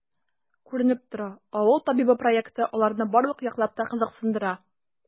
Күренеп тора,“Авыл табибы” проекты аларны барлык яклап та кызыксындыра.